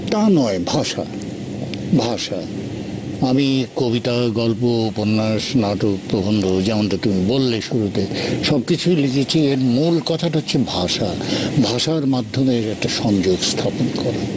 তা নয় ভাষা ভাষা আমি কবিতা গল্প উপন্যাস নাটক আমি কবিতা গল্প উপন্যাস নাটক প্রবন্ধ যেমনটা তুমি বললে শুরুতে সবকিছুই লিখেছি এর মূল কথাটা হচ্ছে ভাষা ভাষার মাধ্যমে একটা সংযোগ স্থাপন করা